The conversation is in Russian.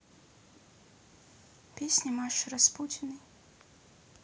песни маши распутиной